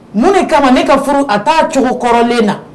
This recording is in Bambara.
Mun de kama ne ka furu a t'a cogo kɔrɔlen na